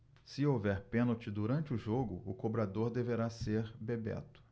se houver pênalti durante o jogo o cobrador deverá ser bebeto